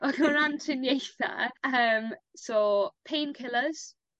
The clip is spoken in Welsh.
On' o ran triniaethe yym so painkillers